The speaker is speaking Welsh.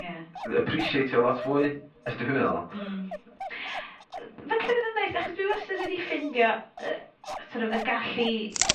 Ie. ...yy apresiatio lot fwy os d'w' be' dwi feddwl. Hmm, yy falle bydd o'n neis achos achos dwi wastad wedi ffindio, yy, sor' of y gallu